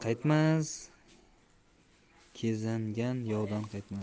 kezangan yovdan qaytmas